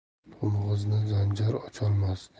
tog'ni zanjir ocholmas